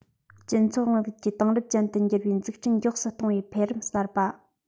སྤྱི ཚོགས རིང ལུགས ཀྱི དེང རབས ཅན དུ འགྱུར བའི འཛུགས སྐྲུན མགྱོགས སུ གཏོང བའི འཕེལ རིམ གསར པ